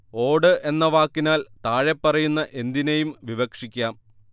ഓട് എന്ന വാക്കിനാൽ താഴെപ്പറയുന്ന എന്തിനേയും വിവക്ഷിക്കാം